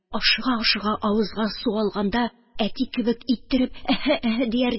Ашыга-ашыга авызга су алганда, әти кебек иттереп «эһе-эһе»